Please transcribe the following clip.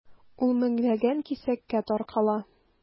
Ул меңләгән кисәккә таркала.